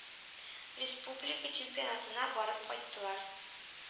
Республика чемпионатына барып кайттылар.